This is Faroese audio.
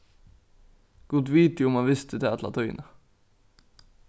gud viti um hann visti tað alla tíðina